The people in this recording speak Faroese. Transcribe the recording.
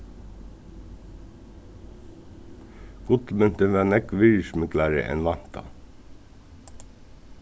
gullmyntin var nógv virðismiklari enn væntað